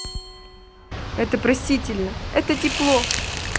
это просительно это тепло